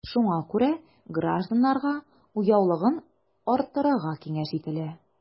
Шуңа күрә гражданнарга уяулыгын арттырыга киңәш ителә.